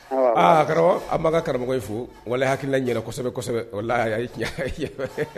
Aaa karamɔgɔ an b' ka karamɔgɔ fo wala hakilikila ɲɛnasɛbɛsɛbɛ